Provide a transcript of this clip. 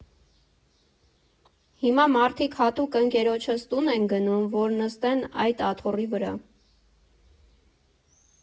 Հիմա մարդիկ հատուկ ընկերոջս տուն են գնում, որ նստեն այդ աթոռի վրա։